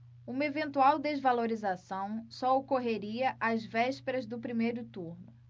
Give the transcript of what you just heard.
uma eventual desvalorização só ocorreria às vésperas do primeiro turno